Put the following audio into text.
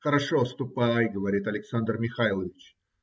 - Хорошо, ступай, - говорит Александр Михайлович.